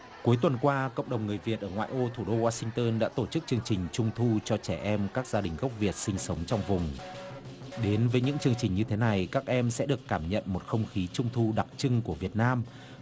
cuối tuần qua cộng đồng người việt ở ngoại ô thủ đô goa sinh tơn đã tổ chức chương trình trung thu cho trẻ em các gia đình gốc việt sinh sống trong vùng đến với những chương trình như thế này các em sẽ được cảm nhận một không khí trung thu đặc trưng của việt nam